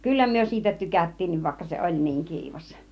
kyllä me siitä tykättiinkin vaikka se oli niin kiivas